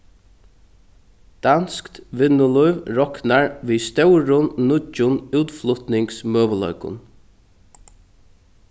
danskt vinnulív roknar við stórum nýggjum útflutningsmøguleikum